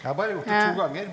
jeg har bare gjort det to ganger.